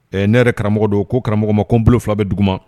Ɛ ne yɛrɛ karamɔgɔ don ko karamɔgɔ ma ko n bolo fila bɛ dugu ma